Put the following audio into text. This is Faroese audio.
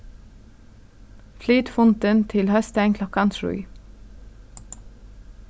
flyt fundin til hósdagin klokkan trý